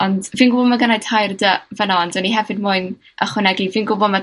Ond fi'n gwbo ma' gennai tair dy fynna ond o'n i hefyd moyn ychwanegu, fyn gwbo ma'